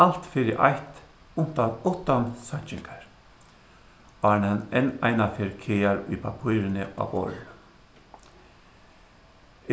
alt fyri eitt uttan seinkingar áðrenn hann enn einaferð kagar í pappírini á borðinum